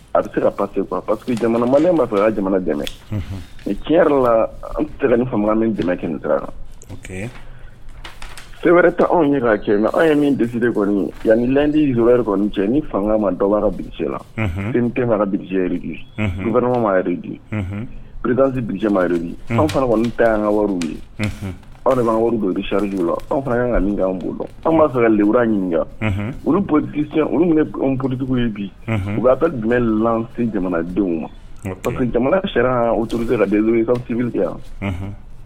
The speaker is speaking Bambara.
A bɛ se ka pase paseke jamana ma ne'a sɔrɔ ka jamana dɛmɛ mɛ tiɲɛ yɛrɛ la an tɛ se ka fanga min dɛmɛ cɛ taara fɛn wɛrɛ ta anw ye k ka cɛ na an ye min desiri de kɔni ye yan ni di kɔni cɛ ni fanga ma dɔwbara bisi la p bilisijɛ bi n fanamamare di pdsi bisijɛ ma yɛrɛ an fana kɔni ta an ka wariw ye aw dean wari dɔ bɛ sarijw la anw fana' ka min'an bolo an b'a fɛ ka urura ɲininkaka olu p politigiw ye bi u b bɛa ka jum la jamanadenw ma parce que jamana sera u tora se deli ye ka cibili yan